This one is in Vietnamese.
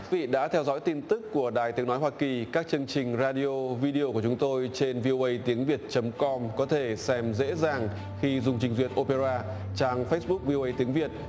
quý vị đã theo dõi tin tức của đài tiếng nói hoa kỳ các chương trình ra đi ô vi đi ô của chúng tôi trên vi ô ây tiếng việt chấm com có thể xem dễ dàng khi dùng trình duyệt ô pê ra trang phếch búc vi ô ây tiếng việt